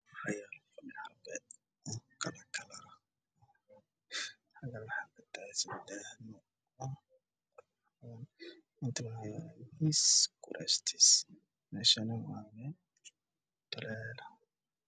Halkan waxaa yaalo fadhi iyo miis fadhiga midabkoodu waa cagaar miiska midabkiisuna waa caddaan